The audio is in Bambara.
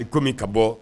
I ko min ka bɔ